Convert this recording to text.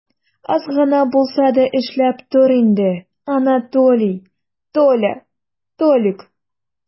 Аз гына булса да эшләп тор инде, Анатолий, Толя, Толик!